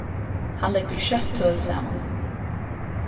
hann leggur skjótt tøl saman